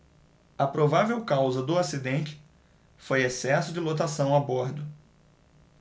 a provável causa do acidente foi excesso de lotação a bordo